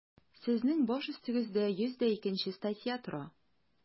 Сезнең баш өстегездә 102 нче статья тора.